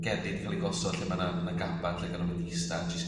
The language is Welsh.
gerddi 'di ca'l 'u gosod lle ma' 'na ma' 'na gaban lle ga nw mynd i ista a jyst